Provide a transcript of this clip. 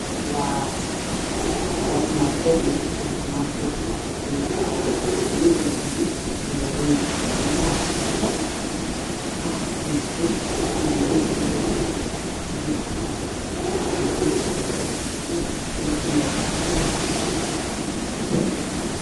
Waaas barmarket waxaa ii muuqda jalaato ku jirto villinjeer oo midafkeedu yahay jaallo